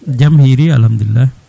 jaam hiiri alhamdulillah